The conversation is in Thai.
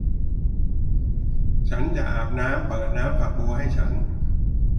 ฉันจะอาบน้ำเปิดน้ำฝักบัวให้ฉัน